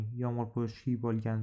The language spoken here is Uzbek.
yomg'irpo'sh kiyib olgan